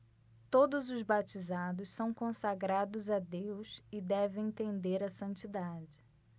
todos os batizados são consagrados a deus e devem tender à santidade